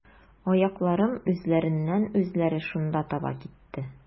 Аякларым үзләреннән-үзләре шунда таба китте.